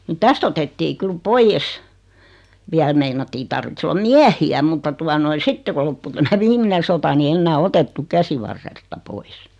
niin tästä otettiin kyllä pois vielä meinattiin tarvitsisi olla miehiä mutta tuota noin sitten kun loppui tämä viimeinen sota niin enää otettu käsivarresta pois